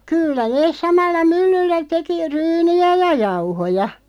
kyllä ne samalla myllyllä teki ryynejä ja jauhoja